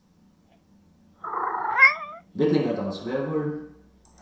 villingadalsvegur